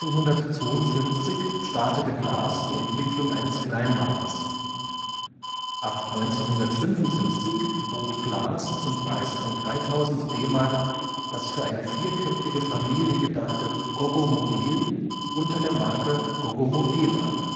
1952 startete Glas die Entwicklung eines Kleinwagens. Ab 1955 bot Glas zum Preis von 3000 DM das für eine vierköpfige Familie gedachte Goggomobil unter der Marke Goggomobil an